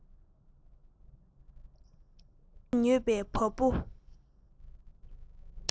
རྔུལ ཆུས མྱོས པའི བ སྤུ